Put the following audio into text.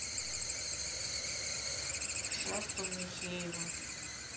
шастун михеева